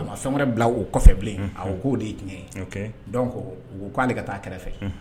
A ma fɛn wɛrɛ bila o kɔfɛ bilen, a ko k'o de ye tiɲɛ ye, ok u ko k'ale ka taa kɛrɛfɛ.